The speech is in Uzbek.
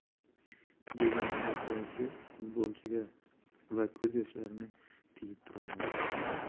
degan boshlovchi futbolchiga va ko'zyoshlarini tiyib turolmagan